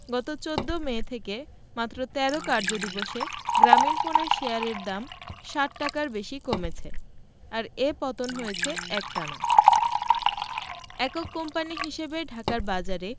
গত ১৪ মে থেকে মাত্র ১৩ কার্যদিবসে গ্রামীণফোনের শেয়ারের দাম ৬০ টাকার বেশি কমেছে আর এ পতন হয়েছে একটানা একক কোম্পানি হিসেবে ঢাকার বাজারে